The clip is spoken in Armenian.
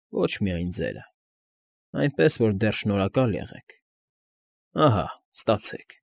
Ոչ միայն ձերը, այնպես որ դեռ շնորհակալ եղեք… Ահա, ստացեք։֊